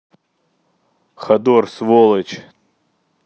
ходор сволоч